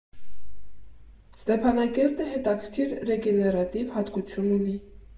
Ստեփանակերտը հետաքրքիր ռեգեներատիվ հատկություն ունի։